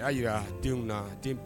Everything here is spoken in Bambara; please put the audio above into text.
A y'a jira denw na